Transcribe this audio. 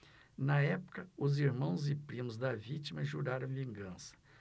na época os irmãos e primos da vítima juraram vingança